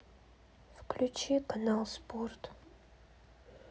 включи канал спорт